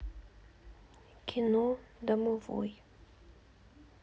кино домовой